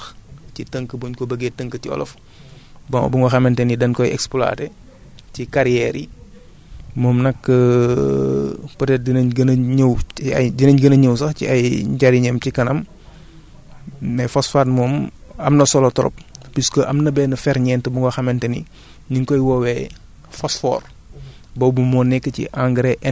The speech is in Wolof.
xeer la bu nga xamante ne wala suuf la sax ci tënk bu ñu ko bëggee tënk ci olof bon bu nga xamante ni dan koy exploiter ci carière yi moom nag peut être dinañ gën a ñëw ci ay dinañ gën a ñëw sax ci ay njariñam ci kanam mais phosphate moom am na solo trop puisque am na benn ferñent bu nga xamante ni ñi ngi koy woowee phosphore